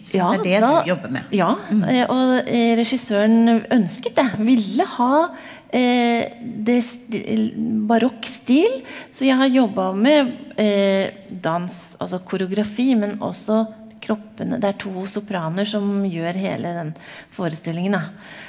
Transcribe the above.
ja da ja og regissøren ønsket det ville ha det barokk stil, så jeg har jobba med dans altså koreografi, men også kroppene, det er to sopraner som gjør hele den forestillingen da.